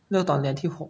เลือกตอนเรียนที่หก